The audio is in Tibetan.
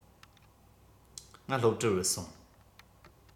ང སློབ གྲྭར བུད སོང